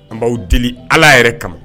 An b'aw deli ala yɛrɛ kama